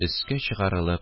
Өскә чыгарылып